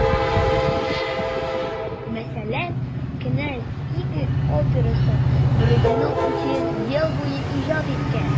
Мәсәлән, «Кенәз Игорь» операсын Бородин 18 ел буе иҗат иткән.